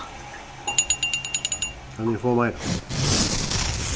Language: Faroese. kann eg fáa meira